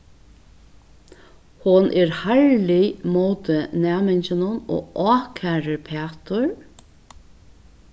hon er harðlig móti næmingunum og ákærir pætur